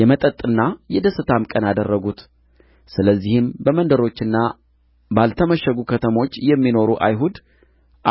የመጠጥና የደስታም ቀን አደረጉት ስለዚህም በመንደሮችና ባልተመሸጉ ከተሞች የሚኖሩ አይሁድ